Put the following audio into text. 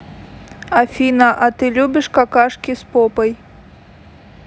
афина а ты любишь какашки с попой